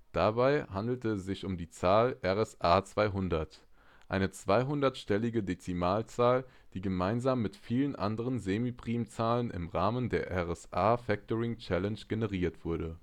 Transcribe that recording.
Dabei handelt es sich um die Zahl RSA-200, eine 200-stellige Dezimalzahl, die gemeinsam mit vielen anderen Semiprimzahlen im Rahmen der RSA Factoring Challenge generiert wurde